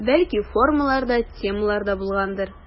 Бәлки формалар да, темалар да булгандыр.